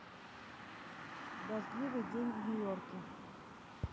дождливый день в нью йорке